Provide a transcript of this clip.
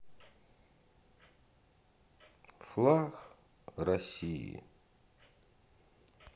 флаг россии